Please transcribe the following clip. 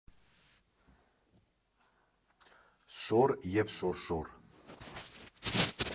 Շոր և Շորշոր։